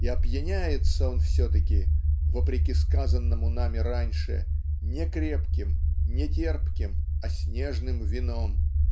и опьяняется он все-таки (вопреки сказанному нами раньше) не крепким не терпким а снежным вином